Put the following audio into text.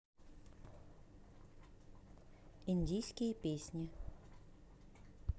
индийские песни